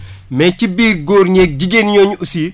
mais ci biir góor ñeeg jigéen ñooñu aussi